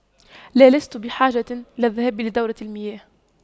لا لست بحاجة للذهاب لدورة المياه